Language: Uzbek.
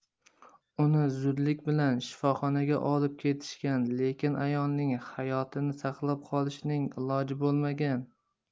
uni zudlik bilan shifoxonaga olib ketishgan lekin ayolning hayotini saqlab qolishning iloji bo'lmagan